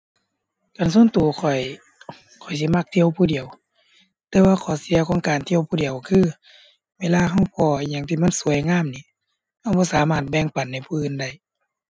คันส่วนตัวข้อย ข้อยสิมักเที่ยวผู้เดียว แต่ว่าข้อเสียของการเที่ยวผู้เดียวคือเวลาตัวพ้ออิหยังที่มันสวยงามนี่ ตัวบ่สามารถแบ่งปันให้ผู้อื่นได้